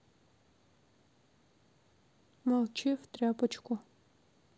молчи в тряпочку